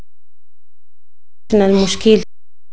المشكله